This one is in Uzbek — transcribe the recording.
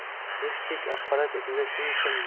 mushtdek apparat ichida shuncha